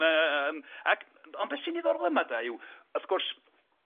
ma' yym ac ond beth sy'n ddiddorol yma 'de yw wrth gwrs